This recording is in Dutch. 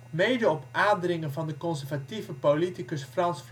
Mede op aandringen van de conservatieve politicus Franz